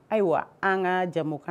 Ayiwa an ka jɛmukan